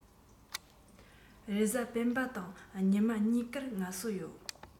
རེས གཟའ སྤེན པ དང ཉི མ གཉིས ཀར ངལ གསོ ཡོད